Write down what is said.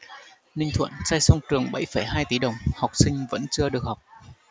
ninh thuận xây xong trường bảy phẩy hai tỷ đồng học sinh vẫn chưa được học